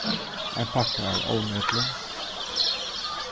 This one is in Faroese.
ein pakka av ovneplum